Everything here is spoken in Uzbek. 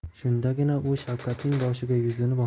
shundagina u shavkatning boshiga yuzini